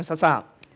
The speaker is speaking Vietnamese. sẵn sàng